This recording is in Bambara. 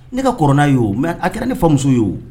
Ne ka kɔrɔ n'a ye o, nka a kɛra ne fa muso ye o.